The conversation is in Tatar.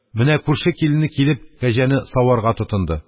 Менә күрше килене, килеп, кәҗәне саварга тотынды.